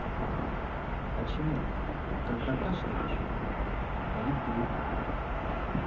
почему когда кашляешь болит грудь